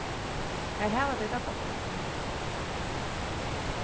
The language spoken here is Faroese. har hava tey tað gott